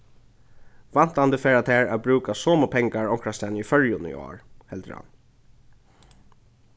væntandi fara tær at brúka somu pengar onkrastaðni í føroyum í ár heldur hann